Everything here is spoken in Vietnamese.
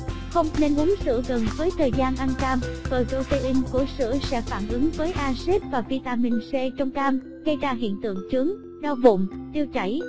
không nên uống sữa gần với thời gian ăn cam protein của sữa sẽ phản ứng với axit và vitamin c trong cam gây ra hiện tượng chướng đau bụng tiêu chảy